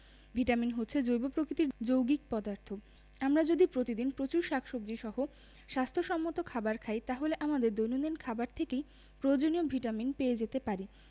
vitamin হচ্ছে জৈব প্রকৃতির যৌগিক পদার্থ আমরা যদি প্রতিদিন প্রচুর শাকসবজী সহ স্বাস্থ্য সম্মত খাবার খাই তাহলে আমাদের দৈনন্দিন খাবার থেকেই প্রয়োজনীয় ভিটামিন পেয়ে যেতে পারি